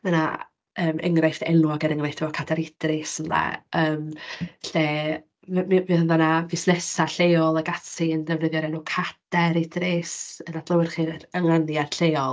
Mae 'na yym enghraifft enwog, er enghraifft, efo Cadair Idris ynde, yym lle mi mi mi fuodd yna fusnesau lleol ac ati yn defnyddio'r enw Cader Idris yn adlewyrchu'r ynganiad lleol.